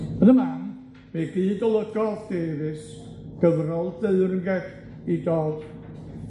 Yn y man, fe gyd olygodd Davies gyfrol deyrnged i Dodd